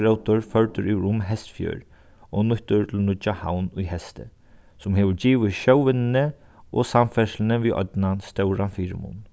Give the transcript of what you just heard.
førdur yvir um hestsfjørð og nýttur til nýggja havn í hesti sum hevur givið sjóvinnuni og samferðsluni við stóran fyrimun